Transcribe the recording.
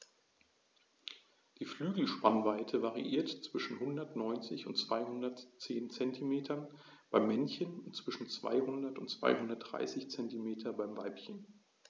Die Flügelspannweite variiert zwischen 190 und 210 cm beim Männchen und zwischen 200 und 230 cm beim Weibchen.